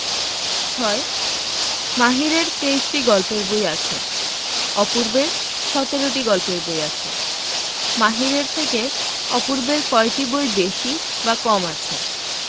৬ মাহিরের ২৩টি গল্পের বই আছে অপূর্বের ১৭টি গল্পের বই আছে মাহিরের থেকে অপূর্বের কয়টি বই বেশি বা কম আছে